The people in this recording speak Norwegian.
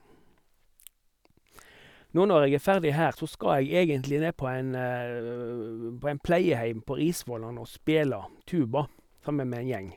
Nå når jeg er ferdig her, så skal jeg egentlig ned på en på en pleieheim på Risvollan og spille tuba sammen med en gjeng.